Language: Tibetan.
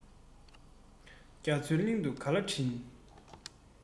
རྒྱ མཚོའི གླིང དུ ག ལ བྲིན